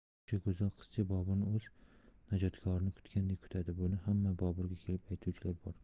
o'sha go'zal qizcha boburni o'z najotkorini kutganday kutadi buni ham boburga kelib aytuvchilar bor